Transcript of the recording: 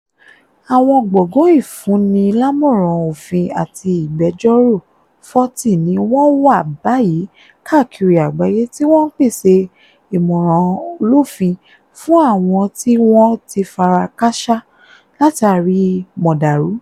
Àwọn Gbọ̀ngán Ìfúnnilámọ̀ràn Òfin àti Ìgbẹjọ́rò 40 ni wọ́n wà báyìí káàkiri àgbáyé tí wọ́n ń pèsè ìmọ̀ràn olófin fún àwọn tí wọ́n ti fara káásá látààrí mọ̀dàrú.